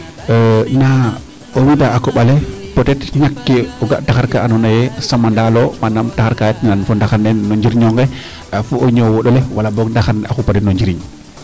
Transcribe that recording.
naa o widaa a koɓale peut etre ñak kee o ga taxar kaa ando naye Samandaalo manaan taxar kaa yaac na nan fo ndaxar nen njirño nge fo o ñowondole wala boog ndaxar ne a xupa den o njiriñ